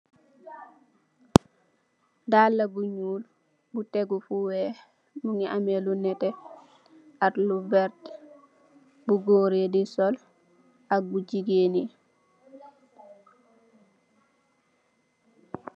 Dala bu ñuul mu teguh fu weex mungi am lu neteh ak lu verta yu goor di sul ak yu jigeen yi